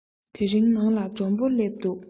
དེ རིང ནང ལ མགྲོན པོ སླེབས འདུག